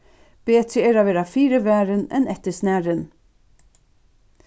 betri er at vera fyrivarin enn eftirsnarin